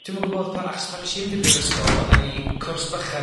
dwi'm yn gw'bod pan achos pan 'nes i fynd i brifysgol o'dda ni cwrs bychan